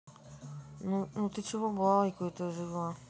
ну ты чего балалайку это завела